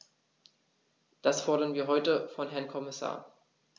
Das fordern wir heute vom Herrn Kommissar.